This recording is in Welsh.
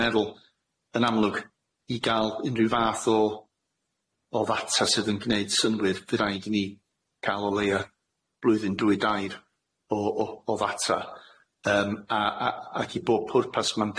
meddwl yn amlwg i ga'l unrhyw fath o o ddata sydd yn gneud synnwyr fydd raid i ni ca'l o leia blwyddyn dwy dair o o o ddata yym a a ac i bob pwrpas ma'n